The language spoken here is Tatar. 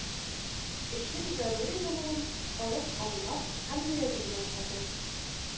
Өчен зарури булуын халык аңлап һәм йөрәге белән кабул